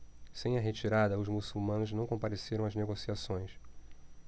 sem a retirada os muçulmanos não compareceram às negociações